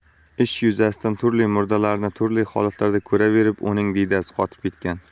ishi yuzasidan turli murdalarni turli holatlarda ko'raverib uning diydasi qotib ketgan